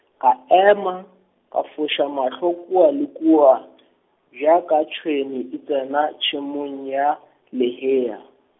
ka ema, ka foša mahlo kua le kua , bjaka tšhwene, e tsena tšhemong ya, lehea.